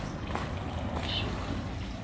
Щука